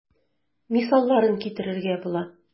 Мисалларын китерергә була.